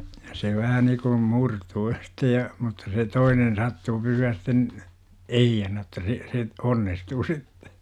ja se vähän niin kuin murtuu sitten ja mutta se toinen sattuu pysymään sitten ehjänä jotta se se onnistuu sitten